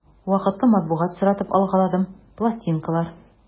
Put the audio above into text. Вакытлы матбугат соратып алгаладым, пластинкалар...